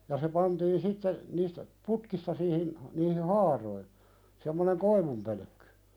ja se pantiin sitten niistä putkista siihen niihin haaroihin semmoinen koivunpölkky